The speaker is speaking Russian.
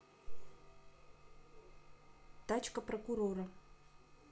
тачка прокурора